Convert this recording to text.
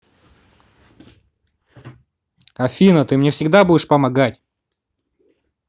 афина ты мне всегда будешь помогать